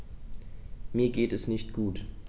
Mir geht es nicht gut.